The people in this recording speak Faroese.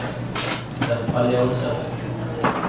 dempa ljósið